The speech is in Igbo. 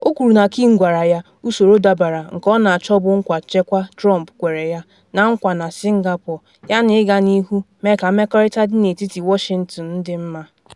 O kwuru na Kim gwara ya, “usoro dabara” nke ọ na-achọ bụ nkwa nchekwa Trump kwere ya na nkwa na Singapore yana ịga n’ihu mee ka mmekọrịta dị n’etiti Washington dị mma.